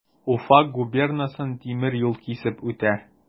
Уфа губернасын тимер юл кисеп үтә.